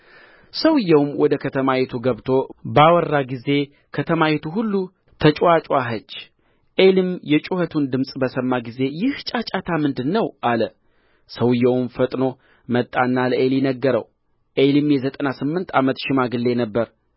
ሰውዮውም ወደ ከተማይቱ ገብቶ ባወራ ጊዜ ከተማይቱ ሁሉ ተጭዋጭዋኸች ዔሊም የጩኸቱን ድምፅ በሰማ ጊዜ ይህ ጫጫታ ምንድር ነው አለ ሰውዮውም ፈጥኖ መጣና ለዔሊ ነገረው ዔሊም የዘጠና ስምንት ዓመት ሽማግሌ ነበረ